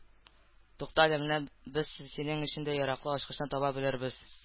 Туктале, менә без синең өчен дә яраклы ачкычны таба белербез